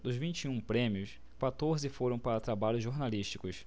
dos vinte e um prêmios quatorze foram para trabalhos jornalísticos